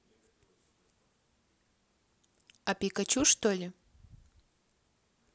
о пикачу что ли